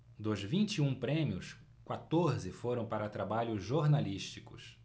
dos vinte e um prêmios quatorze foram para trabalhos jornalísticos